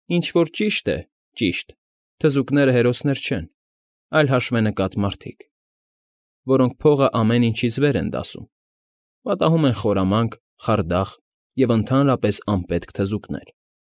Ինչ որ ճիշտ է, ճիշտ է՝ թզուկները հերոսներ չեն, այլ հաշվենկատ մարդիկ, որոնք փողը ամեն ինչից վեր են դասում. պատահում են խորամանկ, խարդախ և ընդհանրապես անպետք թզուկներ։